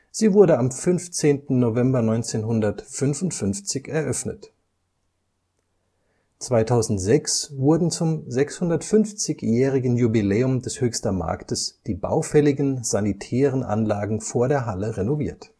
Sie wurde am 15. November 1955 eröffnet. 2006 wurden zum 650-jährigen Jubiläum des Höchster Marktes die baufälligen sanitären Anlagen vor der Halle renoviert